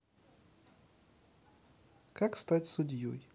как стать судьей